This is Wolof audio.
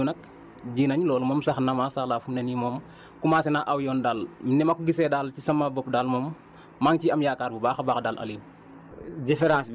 bi ñu indee jiw nag ji nañ loolu moom sax na macha allah fi mu ne nii moom commencé naa aw yoon daal ni ma ko gisee daal ci sama bopp daal moom maa ngi ciy am yaakaar bu baax a baax daal Aliou